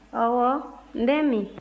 ɔwɔ n bɛ n min